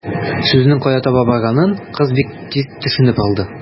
Сүзнең кая таба барганын кыз бик тиз төшенеп алды.